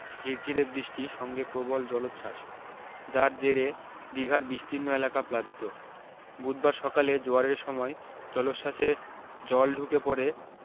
ঝিরঝিরে বৃষ্টি সঙ্গে প্রবল জলোচ্ছ্বাস যার জেরে দিঘার বিস্তিরণ এলাকা প্লাবিত বুধবার সকালে জোয়ারের সময় জলোচ্ছ্বাসে জল ঢুকে পড়ে